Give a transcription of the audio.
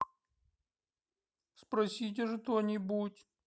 спросите что нибудь